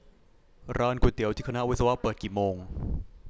ร้านก๋วยเตี๋ยวที่คณะวิศวะเปิดกี่โมง